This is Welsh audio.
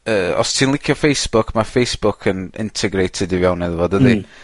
Yy os ti'n licio Facebook, ma' Facebook yn intergrated i fewn iddo fo dydi? Hmm.